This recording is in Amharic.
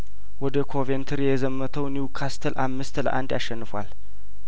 ወደ ኮቬንትሪ የዘመተው ኒው ካስተል አምስት ለአንድ አሸንፏል